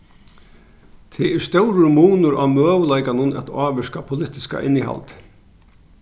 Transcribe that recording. tað er stórur munur á møguleikanum at ávirka politiska innihaldið